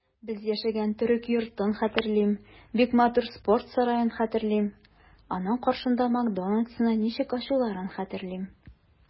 Без яшәгән төрек йортын хәтерлим, бик матур спорт сараен хәтерлим, аның каршында "Макдоналдс"ны ничек ачуларын хәтерлим.